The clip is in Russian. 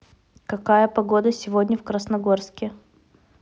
какая погода сегодня в красногорске